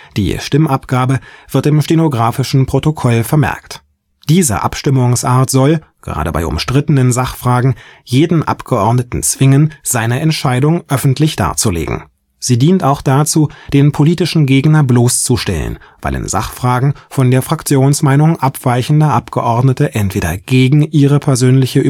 Die Stimmabgabe wird im stenografischen Protokoll vermerkt. Diese Abstimmungsart soll – gerade bei umstrittenen Sachfragen – jeden Abgeordneten zwingen, seine Entscheidung öffentlich darzulegen. Sie dient auch dazu, den politischen Gegner bloßzustellen, weil in Sachfragen von der Fraktionsmeinung abweichende Abgeordnete entweder gegen ihre persönliche